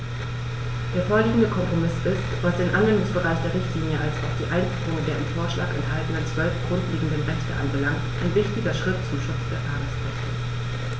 Der vorliegende Kompromiss ist, was den Anwendungsbereich der Richtlinie als auch die Einführung der im Vorschlag enthaltenen 12 grundlegenden Rechte anbelangt, ein wichtiger Schritt zum Schutz der Fahrgastrechte.